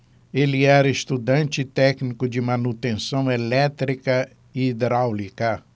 ele era estudante e técnico de manutenção elétrica e hidráulica